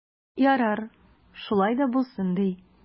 Ярар, шулай да булсын ди.